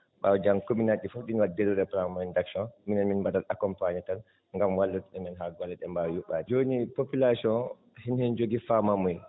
ɓaawo janngo commune ŋaaji ɗii fof ɗi nodde ɗo e plan moins d' action minen min mbaɗat accompagné tan ngam wallude enen haa golle ɗee mbaawa yuɓɓaade jooni population oo ɗin heen njogii faamaamuya